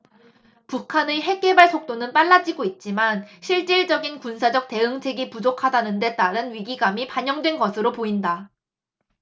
북한의 핵개발 속도는 빨라지고 있지만 실질적인 군사적 대응책이 부족하다는 데 따른 위기감이 반영된 것으로 보인다